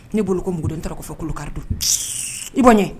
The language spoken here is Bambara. N'i boloko ko munden taara k'a fɔ kulu kari don i bɔ n ɲɛ